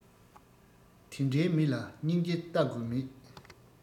དེ འདྲའི མི ལ སྙིང རྗེ ལྟ དགོས མེད